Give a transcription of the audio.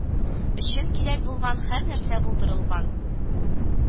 Өчен кирәк булган һәр нәрсә булдырылган